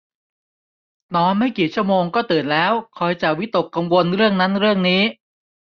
นอนไม่กี่ชั่วโมงก็ตื่นแล้วคอยจะวิตกกังวลเรื่องนั้นเรื่องนี้